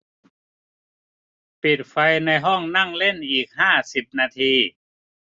ปิดไฟในห้องนั่งเล่นอีกห้าสิบนาที